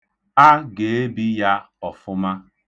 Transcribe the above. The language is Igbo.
A ga-ebi ya ọfụma.